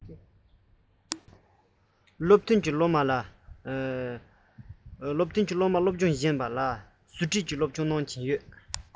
སློབ ཐོན སློབ མ སློབ མ དང སློབ སྦྱོང སློབ སྦྱོང ཞན པའི སློབ མ སློབ མར ཡི གེ བསླབ ཟུར ཁྲིད གནང གི ཡོད